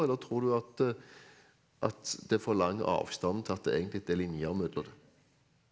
eller tror du at at det er for lang avstand til at det egentlig det er linje mellom det?